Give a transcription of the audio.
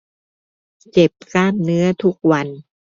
เจ็บกล้ามเนื้อทุกวัน